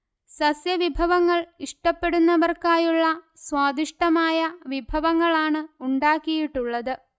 സസ്യവിഭവങ്ങൾ ഇഷ്ടപ്പെടുന്നവർക്കായുള്ള സ്വാദിഷ്ടമായ വിഭവങ്ങളാണ് ഉണ്ടാക്കിയിട്ടുള്ളത്